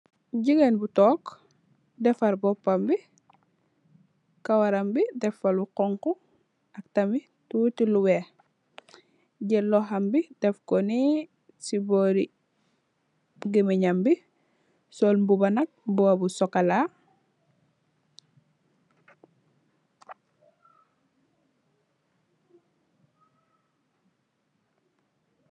Jigeen bu tog defa mbopam bi karawam bi defa ku xonxu am tamit tuti lu weex jeel loxom bi def ko nee si bori geemen nyam bi sol mbuba mbuba bu chocola.